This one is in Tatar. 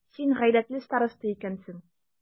Син гайрәтле староста икәнсең.